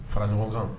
Faraɲɔgɔn kan